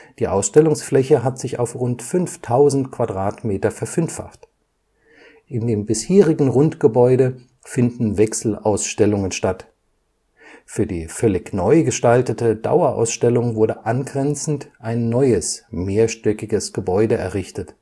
Die Ausstellungsfläche hat sich auf rund 5.000 Quadratmeter verfünffacht. In dem bisherigen Rundgebäude finden Wechselausstellungen statt. Für die völlig neu gestaltete Dauerausstellung wurde angrenzend ein neues mehrstöckiges Gebäude errichtet